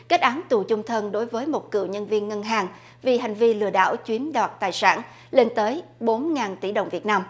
kết án tù chung thân đối với một cựu nhân viên ngân hàng vì hành vi lừa đảo chiếm đoạt tài sản lên tới bốn ngàn tỷ đồng việt nam